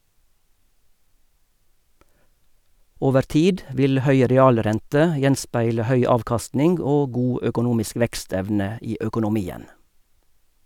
Over tid vil høy realrente gjenspeile høy avkastning og god økonomisk vekstevne i økonomien.